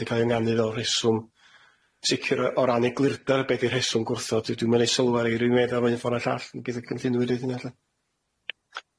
'di ca'l 'i ynganu fel rheswm sicr yy o ran eglurdo be' 'di rheswm gwrthod dwi dwi'm yn neud sylwair i neb unffordd neu llall ne' geith y cynllunwyr dweud hynna ella.